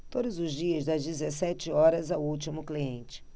todos os dias das dezessete horas ao último cliente